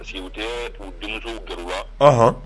Parce se u tɛ denmuso gariba hɔn